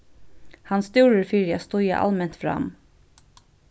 hann stúrir fyri at stíga alment fram